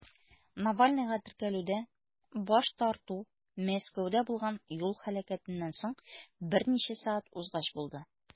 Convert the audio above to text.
Навальныйга теркәлүдә баш тарту Мәскәүдә булган юл һәлакәтеннән соң берничә сәгать узгач булды.